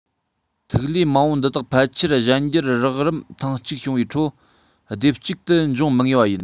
ཐིག ལེ མང པོ འདི དག ཕལ ཆེར གཞན འགྱུར རགས རིམ ཐེངས གཅིག བྱུང བའི ཁྲོད སྡེབ གཅིག ཏུ འབྱུང མི ངེས པ ཡིན